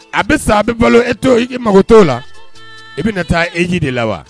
A bɛ sa a bɛ bolo e to mago t la i bɛ na taa eji de la wa